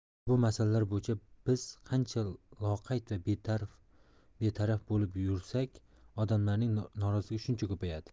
bu masalalar bo'yicha biz qancha loqayd va betaraf bo'lib yursak odamlarning noroziligi shuncha ko'payadi